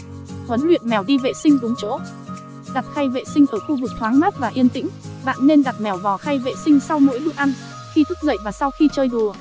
huấn luyện mèo đi vệ sinh đúng chỗ đặt khay vệ sinh ở khu vực thoáng mát và yên tĩnh bạn nên đặt mèo vò khay vệ sinh sau mỗi bữa ăn khi thức dậy và sau khi chơi đùa